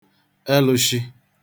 ẹlụshị